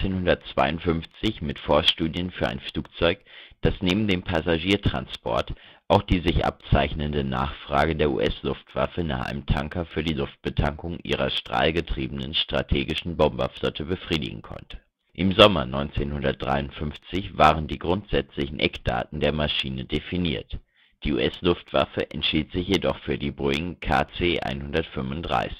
1952 mit Vorstudien für ein Flugzeug, das neben dem Passagiertransport auch die sich abzeichnende Nachfrage der US-Luftwaffe nach einem Tanker für die Luftbetankung ihrer strahlgetriebenen strategischen Bomberflotte befriedigen konnte. Im Sommer 1953 waren die grundsätzlichen Eckdaten der Maschine definiert. Die US-Luftwaffe entschied sich jedoch für die Boeing KC-135